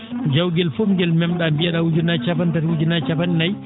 jawgel fof ngel mem?aa mbiye?aa ujunnaaje cappan tati ujunnaaje cappan nayi